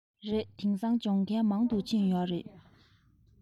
རེད དེང སང སྦྱོང མཁན མང དུ ཕྱིན ཡོད རེད